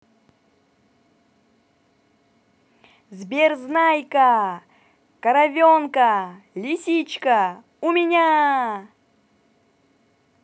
сбер знайка коровенка лисичка у меня